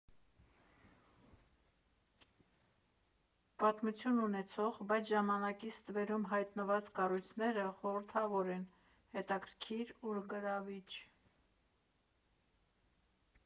Պատմություն ունեցող, բայց ժամանակի ստվերում հայտնված կառույցները խորհրդավոր են, հետաքրքիր ու գրավիչ։